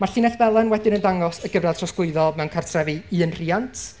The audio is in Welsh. Ma'r llinell felyn wedyn yn dangos y gyfradd trosglwyddo mewn cartrefi un rhiant.